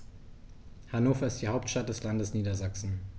Hannover ist die Hauptstadt des Landes Niedersachsen.